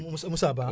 Mou Moussa Ba ah